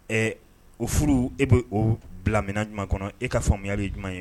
Ɛɛ o furu e bɛ o bila minan jumɛn kɔnɔ e ka faamuyali ye jumɛn ye